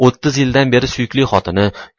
o'ttiz yildan beri suyukli xotinni